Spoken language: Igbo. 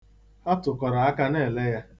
Ha tụkọrọ aka na-ele ya.